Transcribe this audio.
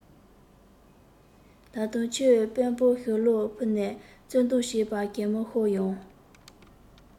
ད དུང ཁྱོད དཔོན པོར ཞུ ལོག ཕུལ ནས རྩོད འདོད བྱེད པ གད མོ ཤོར ཡོང